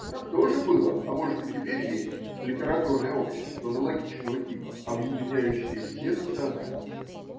Там тоже было, а может и теперь есть, литературное общество аналогичного типа, объединяющее все национальности.